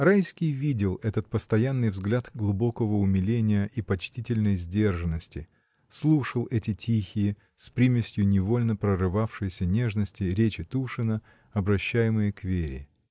Райский видел этот постоянный взгляд глубокого умиления и почтительной сдержанности, слушал эти тихие, с примесью невольно прорывавшейся нежности, речи Тушина, обращаемые к Вере.